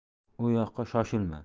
u yoqqa shoshilma